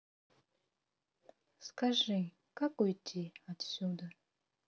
скажи как уйти отсюда